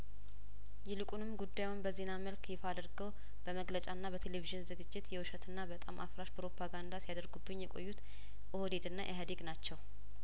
ይልቁንም ጉዳዩን በዜና መልክ ይፋ አድርገው በመግለጫና በቴሌቪዥን ዝግጅት የውሸትና በጣም አፍራሽ ፕሮፓጋንዳ ሲያደርጉብኝ የቆዩት ኦህዴድና ኢህአዴግ ናቸው